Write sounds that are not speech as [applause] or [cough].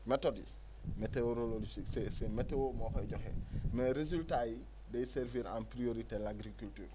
méthodes yi métérologie c' est c' est météo moo koy joxe [noise] mais résultats yi day servir en priorité l' agriculture